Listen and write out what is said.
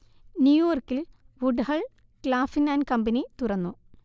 ന്യൂയോർക്കിൽ Woodhull, Claflin and company തുറന്നു